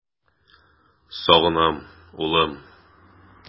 Сагынам, улым!